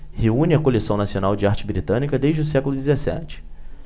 reúne a coleção nacional de arte britânica desde o século dezessete